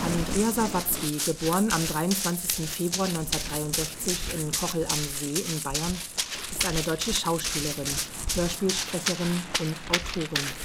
Andrea Sawatzki auf der Frankfurter Buchmesse 2015 Andrea Sawatzki auf der Berlinale 2010 Andrea Sawatzki (* 23. Februar 1963 in Kochel am See, Bayern) ist eine deutsche Schauspielerin, Hörspielsprecherin und Autorin